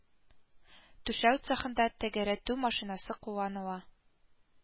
Түшәү цехында тәгәрәтү машинасы кулланыла